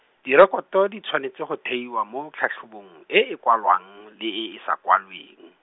direkoto di tshwanetse go theiwa mo tlhatlhobong e e kwalwang le e e sa kwalweng.